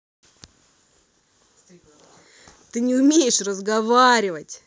ты не умеешь разговаривать